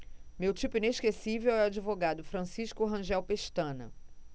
meu tipo inesquecível é o advogado francisco rangel pestana